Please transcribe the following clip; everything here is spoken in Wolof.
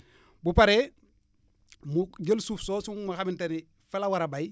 bu paree mu jël suuf soosu nga xamante ni fa la war a bay